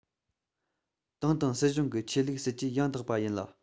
ཏང དང སྲིད གཞུང གི ཆོས ལུགས སྲིད ཇུས ཡང དག པ ཡིན ལ